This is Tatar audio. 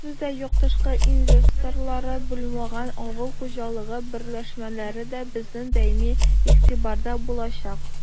Сүз дә юк, тышкы инвесторлары булмаган авыл хуҗалыгы берләшмәләре дә безнең даими игътибарда булачак.